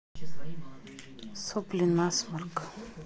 сопли насморк